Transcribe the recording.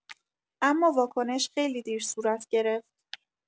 اما واکنش خیلی دیر صورت گرفت.